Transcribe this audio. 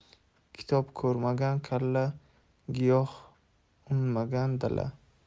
kitob ko'rmagan kalla giyoh unmagan dala